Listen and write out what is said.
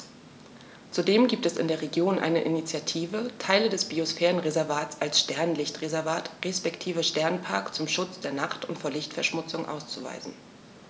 Zudem gibt es in der Region eine Initiative, Teile des Biosphärenreservats als Sternenlicht-Reservat respektive Sternenpark zum Schutz der Nacht und vor Lichtverschmutzung auszuweisen.